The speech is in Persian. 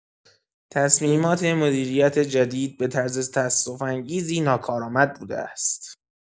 تصمیمات مدیریت جدید به طرز تأسف‌انگیزی ناکارآمد بوده است.